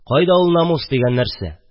Кайда ул намус дигән нәрсә?